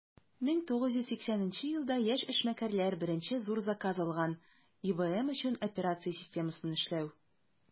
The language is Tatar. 1980 елда яшь эшмәкәрләр беренче зур заказ алган - ibm өчен операция системасын эшләү.